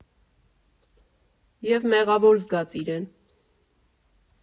Եվ մեղավոր զգաց իրեն։